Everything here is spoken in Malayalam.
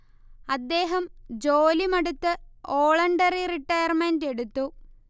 അദ്ദേഹം ജോലി മടുത്തു വോളണ്ടറി റിട്ടയർമെന്റ് എടുത്തു